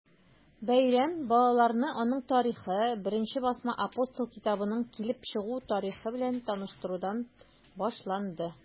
Бәйрәм балаларны аның тарихы, беренче басма “Апостол” китабының килеп чыгу тарихы белән таныштырудан башланды.